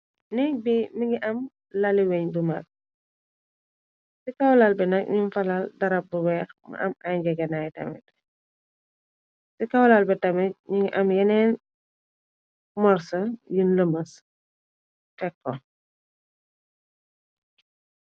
Nekk bi mi ngi am laliweñ bu mag ci kawlaal bi nag ñuñ falal darab bu weex mu am ay njegenaay tamit ci kawlaal bi tamit ñi ngi am yeneen morsa yuñ lëmës tekko.